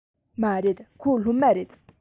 མ རེད ཁོ སློབ མ རེད